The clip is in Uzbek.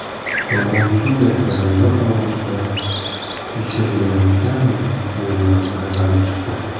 davron shunday xayollar og'ushida tekshirilayotgan yerlarni aylanib chiqdi